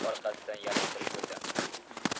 orqasidan yalintirib yurdi